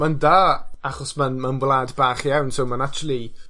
Ma'n da, achos ma'n ma'n wlad bach iawn. So ma'n actually